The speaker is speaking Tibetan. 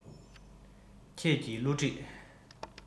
ཁྱེད ཀྱི བསླུ བྲིད